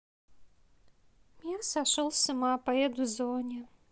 мир сошел с ума поет в зоне